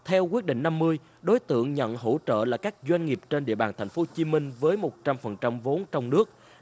theo quyết định năm mươi đối tượng nhận hỗ trợ là các doanh nghiệp trên địa bàn thành phố chí minh với một trăm phần trăm vốn trong nước